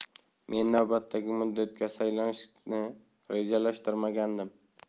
men navbatdagi muddatga saylanishni rejalashtirmagandim